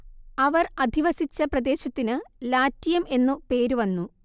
അവർ അധിവസിച്ച പ്രദേശത്തിന് ലാറ്റിയം എന്നു പേര് വന്നു